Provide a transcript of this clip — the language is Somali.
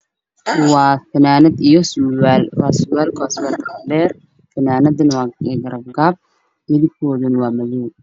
Waa fanaanad iyo surwaal surweelka waa dheer fanaanadana waa garab gaab midabkana waa madow